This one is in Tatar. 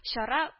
Чара